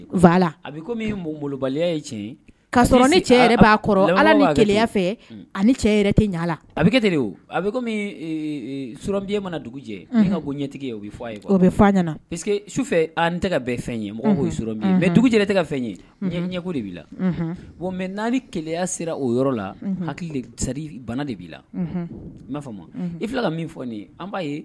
Baliya b'a ala cɛ ɲɛ a bɛ kɛ a bɛ s mana dugu jɛ' ka ɲɛtigi ye o bɛ fɔ a ye o bɛ que su fɛ tɛ ka bɛn fɛn ye mɔgɔ mɛ tɛ ka fɛn ɲɛko de b' bon mɛ naani ni keya sera o yɔrɔ la hakili bana de b'i la n b'a fɔ ma i ka min fɔ nin an'a ye